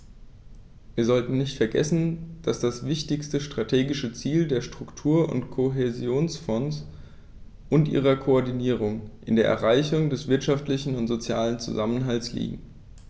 Wir sollten nicht vergessen, dass das wichtigste strategische Ziel der Struktur- und Kohäsionsfonds und ihrer Koordinierung in der Erreichung des wirtschaftlichen und sozialen Zusammenhalts liegt.